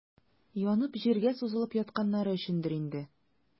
Янып, җиргә сузылып ятканнары өчендер инде.